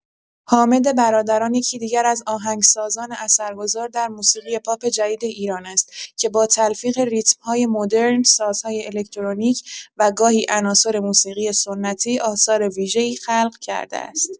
حامد برادران یکی دیگر از آهنگسازان اثرگذار در موسیقی پاپ جدید ایران است که با تلفیق ریتم‌های مدرن، سازهای الکترونیک و گاهی عناصر موسیقی سنتی، آثار ویژه‌ای خلق کرده است.